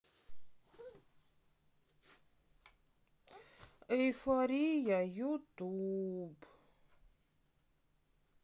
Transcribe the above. эйфория ютуб